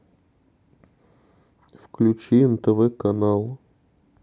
включи нтв канал